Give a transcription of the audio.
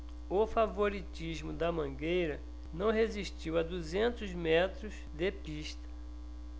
o favoritismo da mangueira não resistiu a duzentos metros de pista